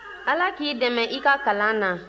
ala k'i dɛmɛ i ka kalan na